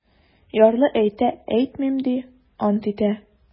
Ярлы әйтә: - әйтмим, - ди, ант итә.